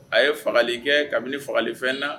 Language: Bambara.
A ye fagali kɛ kabini fagalifɛn na